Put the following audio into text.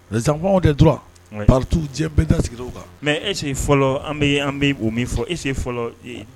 Zanw de dɔrɔnjɛ bɛɛda sigi o kan mɛ ese fɔlɔ an bɛ min fɔ ese fɔlɔ